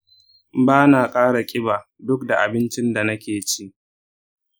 bana ƙara ƙiba duk da abincin da nake ci.